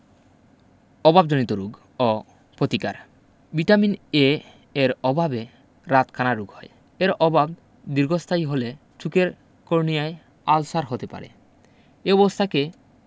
অভাবজনিত রোগ ও প্রতিকার ভিটামিন A এর অভাবে রাতকানা রোগ হয় এর অভাব দীর্ঘস্থায়ী হলে চোখের কর্নিয়ায় আলসার হতে পারে— এ অবস্থাকে